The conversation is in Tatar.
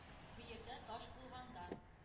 Бөердә таш булганда,